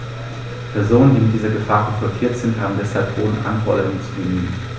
Personen, die mit dieser Gefahr konfrontiert sind, haben deshalb hohen Anforderungen zu genügen.